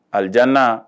A